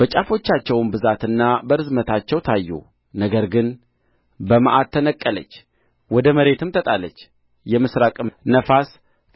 በጫፎቻቸውም ብዛትና በርዝመታቸው ታዩ ነገር ግን በመዓት ተነቀለች ወደ መሬትም ተጣለች የምሥራቅም ነፋስ